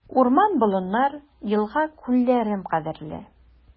Урман-болыннар, елга-күлләрем кадерле.